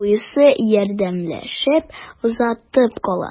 Абыйсы ярдәмләшеп озатып кала.